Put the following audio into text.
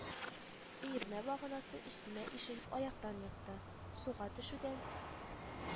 Өермә баганасы өстемә ишелеп аяктан екты, суга төшүдән